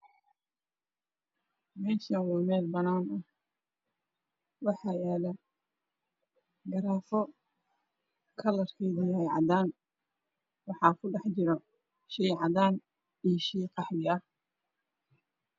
Meshan waxaa yaalo garaafo kalarkiisu yahay cadaan waxaa ku dhex jiro shaycadan ah iyo sheey qaxwi ah